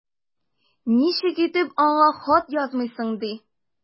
Ничек итеп аңа хат язмыйсың ди!